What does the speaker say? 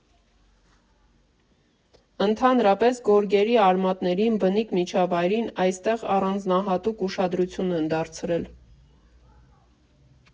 Ընդհանրապես, գորգերի արմատներին, բնիկ միջավայրին այստեղ առանձնահատուկ ուշադրություն են դարձրել։